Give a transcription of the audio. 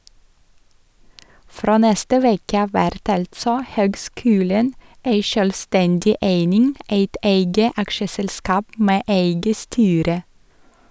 Frå neste veke av vert altså høgskulen ei sjølvstendig eining, eit eige aksjeselskap med eige styre.